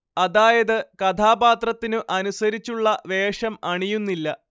അതായത് കഥാപാത്രത്തിനു അനുസരിച്ചുള്ള വേഷം അണിയുന്നില്ല